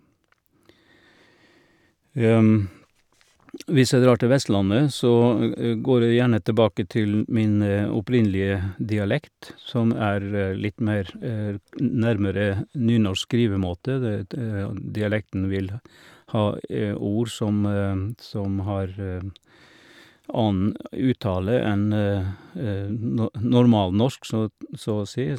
Hvis jeg drar til Vestlandet, så går jeg gjerne tilbake til min opprinnelige dialekt, som er litt mer nærmere nynorsk skrivemåte, det det og dialekten vil ha ord som som har annen uttale enn no normalnorsk, såtn så å si.